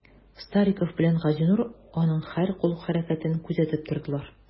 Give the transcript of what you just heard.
Стариков белән Газинур аның һәр кул хәрәкәтен күзәтеп тордылар.